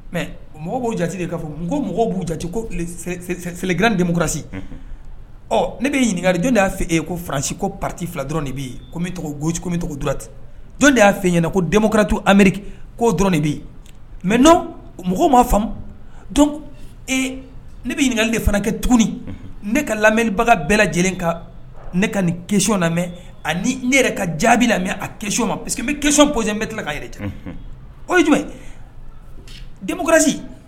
Mɛ mɔgɔ b'o jate de'a fɔ ko mɔgɔw b'u jatele denmusomukurasi ne bɛ ɲininkaka y'a e ko faransi ko pati fila dɔrɔn de bɛ yen gosi tɔgɔti don de y'a fɛ ɲɛna ko denmusoratu amimeri ko dɔrɔn de bɛ yen mɛ mɔgɔ ma faamu don ne bɛ ɲininkakali de fana kɛ tuguni ne ka lamɛnlibaga bɛɛ lajɛlen kan ne ka nin kecon lamɛn ne yɛrɛ ka jaabi lamɛn a key ma paseke que kesɔnpoy n bɛ tila ka yɛrɛ o ye jumɛn denmuso